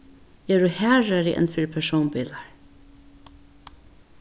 eru harðari enn fyri persónbilar